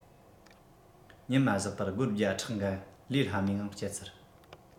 ཉམས མ བཞག པར སྒོར བརྒྱ ཕྲག འགའ ལས སླ མོའི ངང སྤྱད ཚར